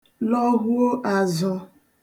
lọhuo āzụ̄